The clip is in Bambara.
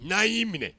N'a y'i minɛ